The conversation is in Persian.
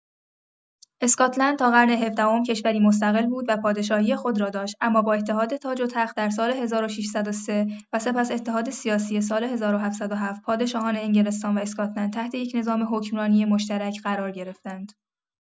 اسکاتلند تا قرن هفدهم کشوری مستقل بود و پادشاهی خود را داشت، اما با اتحاد تاج‌وتخت در سال ۱۶۰۳ و سپس اتحاد سیاسی سال ۱۷۰۷، پادشاهان انگلستان و اسکاتلند تحت یک نظام حکمرانی مشترک قرار گرفتند.